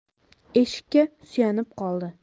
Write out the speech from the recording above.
eshikka suyanib qoldi